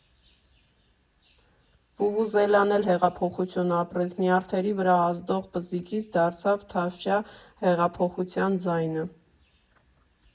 Վուվուզելան էլ հեղափոխություն ապրեց, նյարդերի վրա ազդող պզիկից դարձավ Թավշյա հեղափոխության ձայնը։